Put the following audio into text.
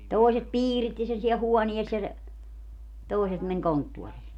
toiset piiritti sen siellä huoneessa ja se toiset meni konttoriin